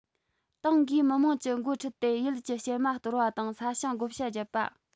ཏང གིས མི དམངས ཀྱི འགོ ཁྲིད དེ ཡུལ གྱི གཤེད མ གཏོར བ དང ས ཞིང བགོ བཤའ བརྒྱབ པ